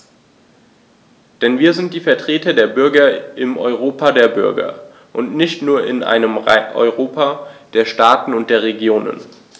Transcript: Denn wir sind die Vertreter der Bürger im Europa der Bürger und nicht nur in einem Europa der Staaten und der Regionen.